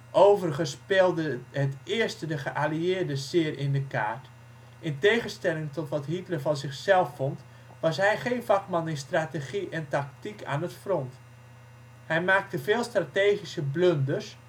Overigens speelde het eerste de geallieerden zeer in de kaart: in tegenstelling tot wat Hitler van zichzelf vond was hij geen vakman in strategie en tactiek aan het front. Hij maakte veel strategische blunders